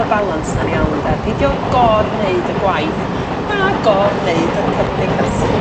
y balans na'n iawn de? Peidio gor-neud y gwaith na gor-neud y cymdeithasu.